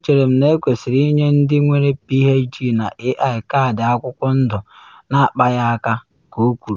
“Echere m na ekwesịrị ịnye ndị nwere PhD na AI kaadị akwụkwọ ndụ na akpaghị aka,” ka o kwuru.